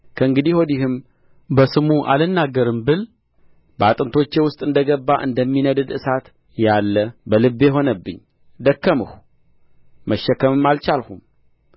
ከእንግዲህ ወዲህም በስሙ አልናገርም ብል በአጥንቶቼ ውስጥ እንደ ገባ እንደሚነድድ እሳት ያለ በልቤ ሆነብኝ ደከምሁ መሸከምም አልቻልሁም